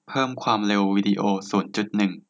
เพิ่มความเร็ววีดีโอศูนย์จุดหนึ่ง